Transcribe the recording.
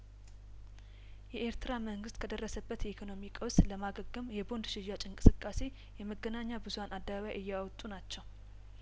የኤርትራ መንግስት ከደረሰበት የኢኮኖሚ ቀውስ ለማገገም የቦንድ ሽያጭ እንቅስቃሴ የመገናኛ ብዙሀን አደባባይ እያወጡ ናቸው